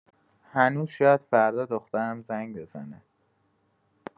هنوز شاید فردا دخترم زنگ بزنه.